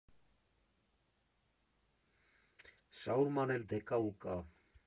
Շաուրման էլ դե կա ու կա։